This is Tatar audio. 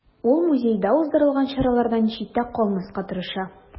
Ул музейда уздырылган чаралардан читтә калмаска тырыша.